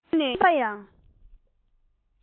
བསྟུན ནས ངའི སེམས པ ཡང